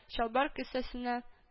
Чалбар кесәсенә